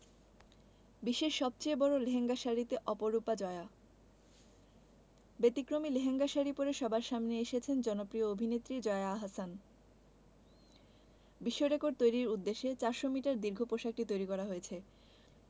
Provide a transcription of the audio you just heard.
বিশ্বের সবচেয়ে বড় লেহেঙ্গা শাড়িতে অপরূপা জয়া ব্যতিক্রমী লেহেঙ্গা শাড়ি পরে সবার সামনে এসেছেন জনপ্রিয় অভিনেত্রী জয়া আহসান বিশ্বরেকর্ড তৈরির উদ্দেশ্যে ৪০০ মিটার দীর্ঘ পোশাকটি তৈরি করা হয়েছে